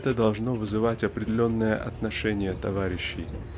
это должно вызывать определенное отношение товарищей.